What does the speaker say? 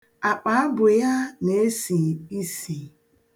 Akpaabụ ya na-esi isi.